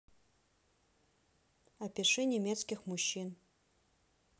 опиши немецких мужчин